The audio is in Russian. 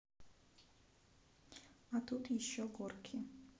а тут еще горки